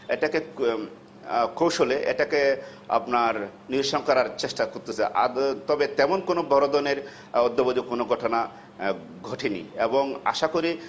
এটকে কৌশলে এটাকে আপনার নিরসন করার চেষ্টা করছি তবে তেমন কোন বড় ধরনের অদ্যাবধি কোনো ঘটনা ঘটেনি এবং আশা করি